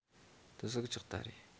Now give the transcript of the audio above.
དེ སུ གི ལྕགས རྟ རེད